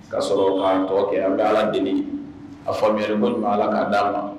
O y'a sɔrɔ k' tɔgɔ kɛ an bɛ ala deli a f fɔ an yɛrɛ bolo don a ala k'a d di'a ma